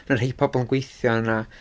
Ma' 'na rhei pobl yn gweithio yna.